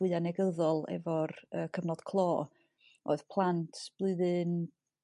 fwya negyddol efo'r y cyfnod clo o'dd plant blwyddyn